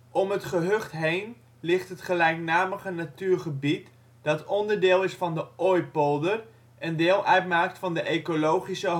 Om het gehucht heen ligt het gelijknamige natuurgebied dat onderdeel is van de Ooypolder en deel uitmaakt van de Ecologische